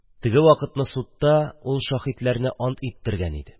Теге вакытны судта шаһитларны шул ант иттергән иде...